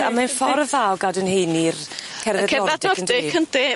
A mae'n ffordd dda o gadw'n heini i'r cerdded Nordic yndi? Y cerddad Nordic yndi.